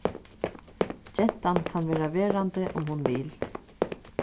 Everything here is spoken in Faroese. gentan kann verða verandi um hon vil